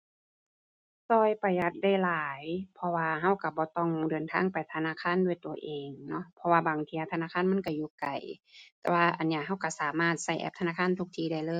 ช่วยประหยัดได้หลาย เพราะว่าช่วยช่วยบ่ต้องเดินทางไปธนาคารด้วยตัวเองเนาะ เพราะว่าบางเที่ยธนาคารมันช่วยอยู่ไกล แต่ว่าอันเนี้ยช่วยช่วยสามารถช่วยแอปธนาคารทุกที่ได้เลย